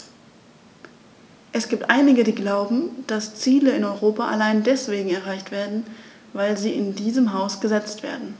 Es gibt einige, die glauben, dass Ziele in Europa allein deswegen erreicht werden, weil sie in diesem Haus gesetzt werden.